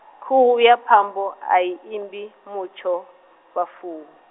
khuhu ya phambo ayi imbi, mutsho, vhafuwi.